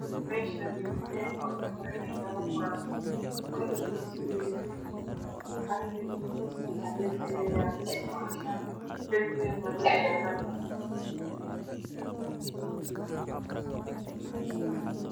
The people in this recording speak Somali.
Meshani waa mel qol ah waxayalo kurasman kalarkis ow yahay qahwi miis cadan ah ayee yalo dhulkan waa cadan dirbigan waa dirbi cadan ah